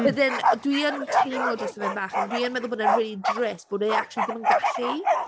But then dwi yn teimlo drosto fe bach, a dwi yn meddwl bod e'n rili drist bod e acshyli ddim yn gallu.